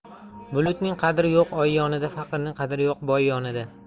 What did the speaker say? bulutning qadri yo'q oy yonida faqirning qadri yo'q boy yonida